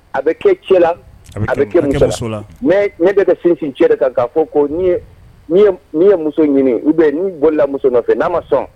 A bɛ kɛ cɛ la a bɛ kɛ la ne bɛ kɛ sinsin cɛ de kan' fɔ ko n ni ye muso ɲini i bɛ n'u bɔralamuso nɔfɛ n'a ma sɔn